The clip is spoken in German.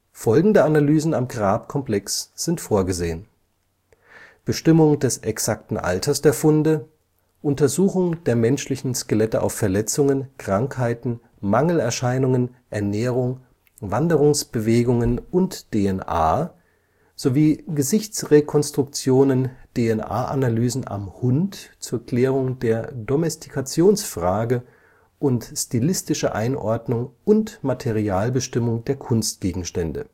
Folgende Analysen am Grabkomplex sind vorgesehen: Bestimmung des exakten Alters der Funde, Untersuchung der menschlichen Skelette auf Verletzungen, Krankheiten, Mangelerscheinungen, Ernährung, Wanderungsbewegungen und DNA sowie Gesichtsrekonstruktionen, DNA-Analysen am Hund zur Klärung der Domestikationsfrage und stilistische Einordnung und Materialbestimmung der Kunstgegenstände